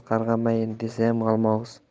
qarg'amayin desam yalmog'iz